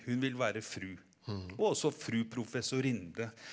hun vil være fru og også Fru professorinde.